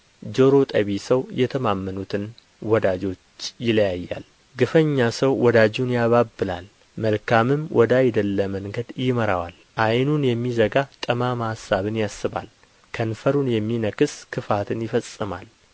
ጆሮ ጠቢ ሰው የተማመኑትን ወዳጆች ይለያያል ግፈኛ ሰው ወዳጁን ያባብላል መልካምም ወዳይደለ መንገድ ይመራዋል ዓይኑን የሚዘጋ ጠማማ አሳብን ያስባል ከንፈሩን የሚነክስ ክፋትን ይፈጽማል